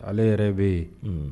Ale yɛrɛ bɛ yen